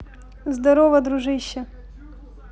здорово дружище